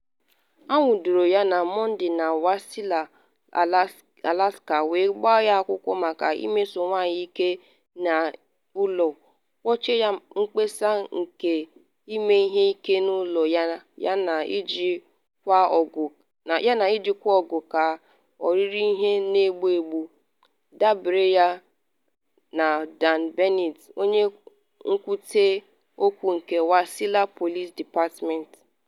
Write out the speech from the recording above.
Anwudoro ya na Mọnde na Wasilla, Alaska, wee gbaa ya akwụkwọ maka imeso nwanyị ihe ike n’ụlọ, mgbochi na mkpesa nke ime ihe ike n’ụlọ yana iji ngwa ọgụ ka oriri ihe na-egbu egbu, dabere na Dan Bennett, onye nkwuchite okwu ndị Wasilla Police Department.